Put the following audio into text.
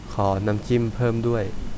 ขอน้ำจิ้มเพิ่มด้วย